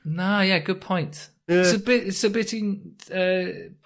na ie good point. Ie. So be' so be' ti'n yy